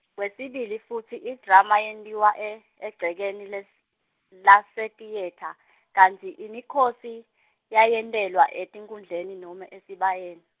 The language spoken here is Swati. kwesibili futsi idrama yentiwa e-, egcekeni le s-, lasetiyetha, kantsi imikhosi, yayentelwa etinkhundleni nome esibayeni.